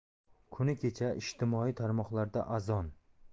kuni kecha ijtimoiy tarmoqlarda azon